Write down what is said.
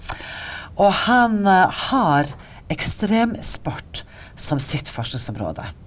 og han har ekstremsport som sitt forskningsområde.